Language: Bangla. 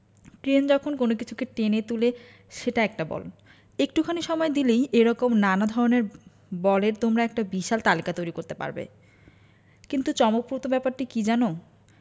ক্রেন যখন কোনো কিছুকে টেনে তুলে সেটা একটা বল একটুখানি সময় দিলেই এ রকম নানা ধরনের বলের তোমরা একটা বিশাল তালিকা তৈরি করতে পারবে কিন্তু চমকপ্রদ ব্যাপারটি কী জানো